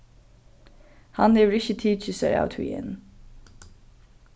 hann hevur ikki tikið sær av tí enn